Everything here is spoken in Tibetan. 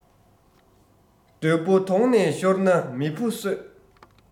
བདུད པོ དོང ནས ཤོར ན མི ཕོ གསོད